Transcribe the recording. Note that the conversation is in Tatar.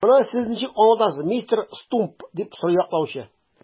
Моны сез ничек аңлатасыз, мистер Стумп? - дип сорый яклаучы.